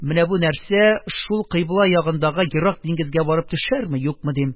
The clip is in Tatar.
Менә бу нәрсә шул кыйбла ягындагы ерак диңгезгә барып төшәрме, юкмы?.. - дим,